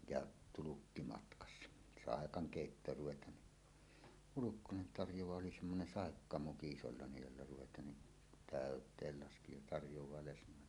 ja tulkki matkassa saakaan keittoon ruvetaan niin Hulkkonen tarjoaa oli semmoinen saikkamuki isolla jolla ruvetaan niin täyteen laski ja tarjoaa lesnoille